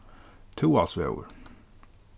túalsvegur